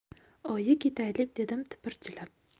oyi ketaylik dedim tipirchilab